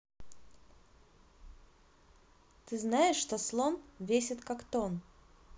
ты знаешь что слон весит как тон